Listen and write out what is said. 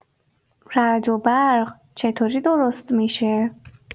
رعد و برق چطوری درست می‌شه؟